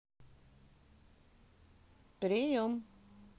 прием